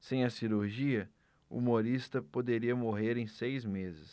sem a cirurgia humorista poderia morrer em seis meses